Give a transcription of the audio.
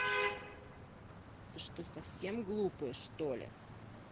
ты что совсем глупая что ли